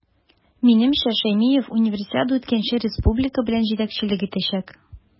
Минемчә, Шәймиев Универсиада үткәнче республика белән җитәкчелек итәчәк.